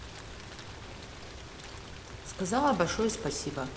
сказала большое спасибо